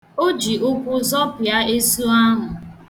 O ji ụkwụ zọpịa esu ahụ.